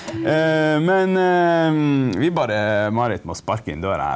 men vi bare Marit må sparke inn døra her.